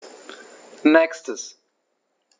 Nächstes.